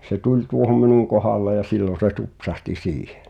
se tuli tuohon minun kohdalle ja silloin se tupsahti siihen